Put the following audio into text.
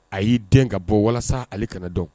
A y'i den ka bɔ walasa ale kana dɔn